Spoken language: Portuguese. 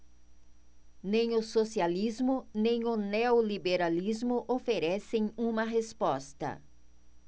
nem o socialismo nem o neoliberalismo oferecem uma resposta